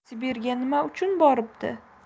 sibirga nima uchun boribdi